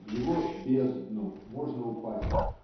В его "бездну" можно упасть